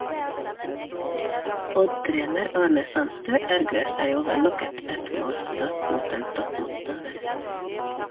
Odd-trener Arne Sandstø ergrer seg over nok et ettmålstap mot en toppmotstander.